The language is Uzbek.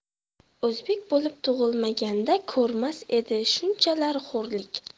o'zbek bo'lib tug'ilmaganda ko'rmas edi shunchalar xo'rlik